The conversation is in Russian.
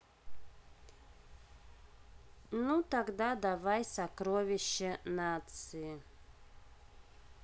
ну давай тогда сокровище нации